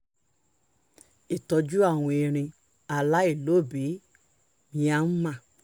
Ìtọ́jú àwọn erin aláìlóbìíi Myanmar